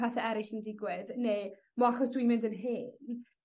pethe eryll yn digwydd neu ma' achos dwi'n mynd yn hen